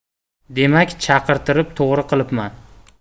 demak chaqirtirib to'g'ri qilibman